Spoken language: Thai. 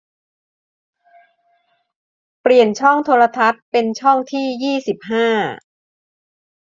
เปลี่ยนช่องโทรทัศน์เป็นช่องที่ยี่สิบห้า